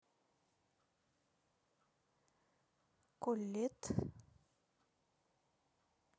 colette